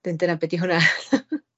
'Dyn dyna be' 'di hwnna.